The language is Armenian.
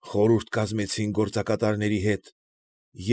Խորհուրդ կազմեցինք գործակատարների հետ։